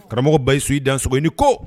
Karamɔgɔba' su ii dan sin ko